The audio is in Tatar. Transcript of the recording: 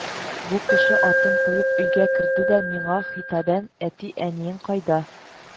Бу кеше, атын куеп, өйгә керде дә миңа хитабән: "Әти-әниең кайда